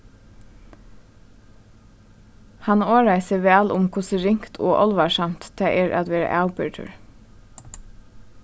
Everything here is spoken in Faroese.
hann orðaði seg væl um hvussu ringt og álvarsamt tað er at vera avbyrgdur